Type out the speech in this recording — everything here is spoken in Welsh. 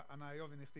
a wna i ofyn i chdi.